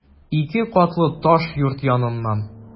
Ике катлы таш йорт яныннан...